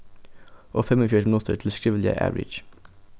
og fimmogfjøruti minuttir til skrivliga avrikið